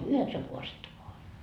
yhdeksän kaasetta vain oli